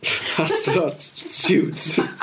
Astronot siwt.